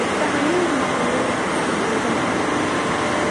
y dail mawr hyfryd yma,